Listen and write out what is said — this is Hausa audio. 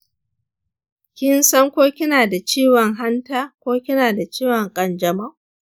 kin san ko kina da ciwon hanta ko kina da ciwon ƙanjamau?